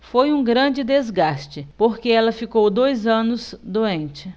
foi um grande desgaste porque ela ficou dois anos doente